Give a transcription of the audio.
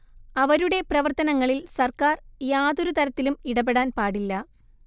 അവരുടെ പ്രവർത്തനങ്ങളിൽ സർക്കാർ യാതൊരു തരത്തിലും ഇടപെടാൻ പാടില്ല